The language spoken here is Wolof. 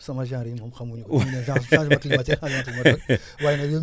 sama genre yi moom xamuñu ko bu énu nee genre changement climatique changement climatique waaye nag yow